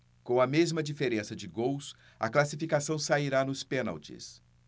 com a mesma diferença de gols a classificação sairá nos pênaltis